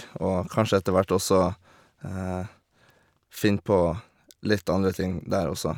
Og kanskje etter hvert også finne på litt andre ting der også.